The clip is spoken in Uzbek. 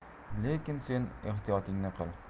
lekin sen ehtiyotingni qil